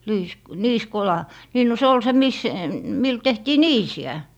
- niisikola niin no se oli se missä millä tehtiin niisiä